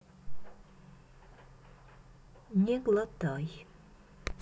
не глотай